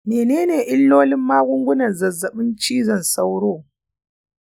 menene illolin magungunan zazzabin cizon sauro